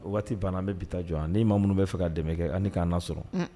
Waati banna an bɛ bi ta jɔ ni maa minnu bɛ fɛ ka dɛmɛ kɛ ani k'an na sɔrɔ